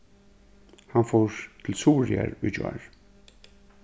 hon fór til suðuroyar í gjár